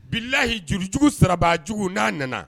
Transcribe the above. Bilayi jurujugu sara jugu n'a nana